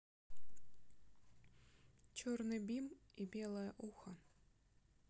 черный бим и белое ухо